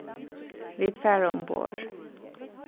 vit fara umborð